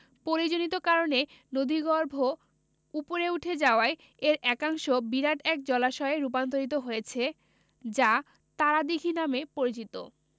পলিজনিত কারণে নদীগর্ভ উপরে উঠে যাওয়ায় এর একাংশ বিরাট এক জলাশয়ে রূপান্তরিত হয়েছে যা তারা দিঘি নামে পরিচিত